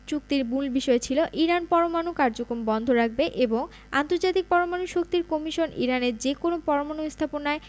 চুক্তির মূল বিষয় ছিল ইরান পরমাণু কার্যক্রম বন্ধ রাখবে এবং আন্তর্জাতিক পরমাণু শক্তি কমিশন ইরানের যেকোনো পরমাণু স্থাপনায়